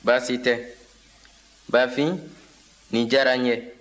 baasi tɛ bafin nin diyara n ye